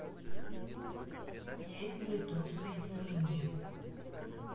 есть блютус соединение